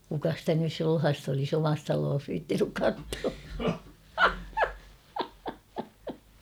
kuka sitä nyt sulhasta olisi omassa talossaan viitsinyt katsoa